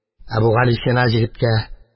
Әбүгалисина егеткә: